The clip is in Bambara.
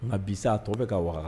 Ma bisa a tɔ bɛ ka waga